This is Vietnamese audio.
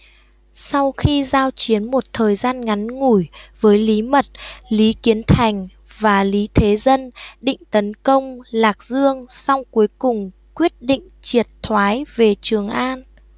sau khi giao chiến một thời gian ngắn ngủi với lý mật lý kiến thành và lý thế dân định tấn công lạc dương song cuối cùng quyết định triệt thoái về trường an